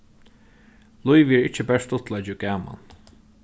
lívið er ikki bert stuttleiki og gaman